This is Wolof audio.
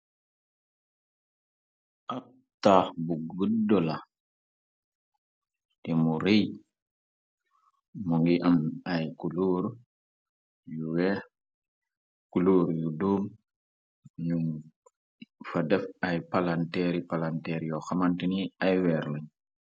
Ab tax bu guddo la te mu rëy mongi am ay kuluur bu weex kuluur yu doom ñu fa def ay palanteeri palanteer yoo xamanti ni ay weer la.